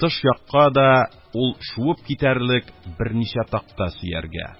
Тыш якка да ул шуып китәрлек берничә такта сөяргә.